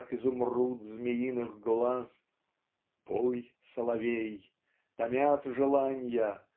Как изумруд змеиных глаз. Пой, соловей! Томят желанья.